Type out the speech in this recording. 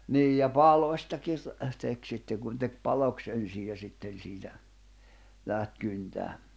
niin ja palostakin se teki sitten kun teki paloksi ensin ja sitten siitä lähti kyntämään